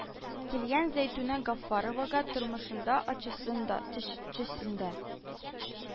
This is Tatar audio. Килгән зәйтүнә гафаровага тормышында ачысын да, төчесен дә